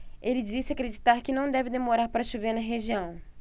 ele disse acreditar que não deve demorar para chover na região